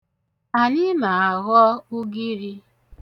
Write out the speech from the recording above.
Anyị na-aghọ ugiri.